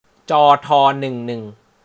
จอทอหนึ่งหนึ่ง